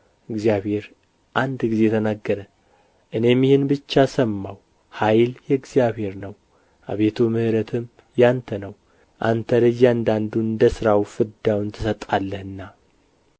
እግዚአብሔር አንድ ጊዜ ተናገረ እኔም ይህን ብቻ ሰማሁ ኃይል የእግዚአብሔር ነው አቤቱ ምሕረትም ያንተ ነው አንተ ለእያንዳንዱ እንደ ሥራው ፍዳውን ትሰጣለህና